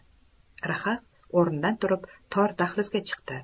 rhaq o'rnidan turib tor dahlizga chiqdi